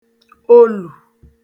olù